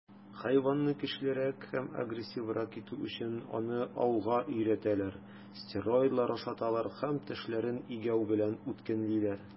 Хайванны көчлерәк һәм агрессиврак итү өчен, аны ауга өйрәтәләр, стероидлар ашаталар һәм тешләрен игәү белән үткенлиләр.